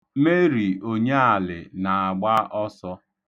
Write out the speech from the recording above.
Mary Onyealị na-agba ọsọ.